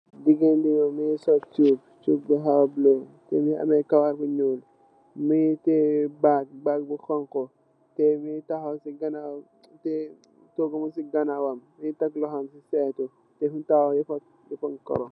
Jigéen bi mungi sol chup, chup bu hawa bulo mungi ameh kawar bu ñuul. Mungi tè bag, bag bu honku tè mungi tahaw ci gannawam, tè togu mung ci gannawam mungi tekk lohom ci seytu.